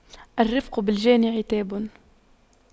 الرفق بالجاني عتاب